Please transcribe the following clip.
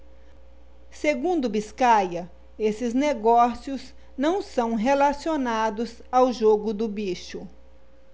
segundo biscaia esses negócios não são relacionados ao jogo do bicho